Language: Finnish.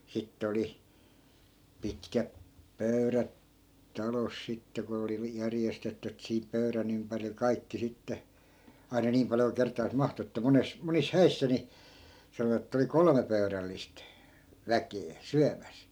sitten oli pitkät pöydät talossa sitten kun oli - järjestetty että siihen pöydän ympärille kaikki sitten aina niin paljon kuin kertaansa mahtui että monessa monissa häissä niin sanoivat että oli kolme pöydällistä väkeä syömässä